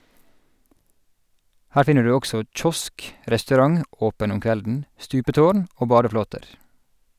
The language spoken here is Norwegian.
Her finner du også kiosk, restaurant (åpen om kvelden), stupetårn og badeflåter.